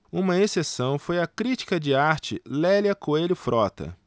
uma exceção foi a crítica de arte lélia coelho frota